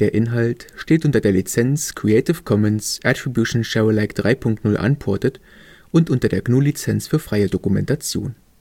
Inhalt steht unter der Lizenz Creative Commons Attribution Share Alike 3 Punkt 0 Unported und unter der GNU Lizenz für freie Dokumentation